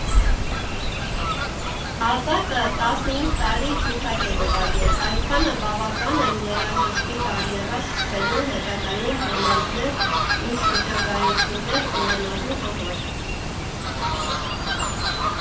Ազատը տասնհինգ տարի ջութակ է նվագել, այդքանը բավական էր երաժշտի կարիերա սկսելու, հետագայում համերգներ ու շրջագայություններ ունենալու համար։